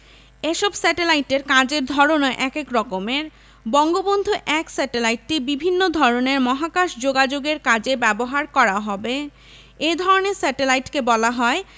এসব স্যাটেলাইটের কাজের ধরনও একেক রকমের বঙ্গবন্ধু ১ স্যাটেলাইটটি বিভিন্ন ধরনের মহাকাশ যোগাযোগের কাজে ব্যবহার করা হবে এ ধরনের স্যাটেলাইটকে বলা হয়